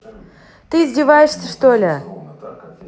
ты издеваешься что ли